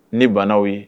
Ne bannaw ye